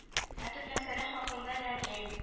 Ә төп мәсьәлә хакында ләм-мим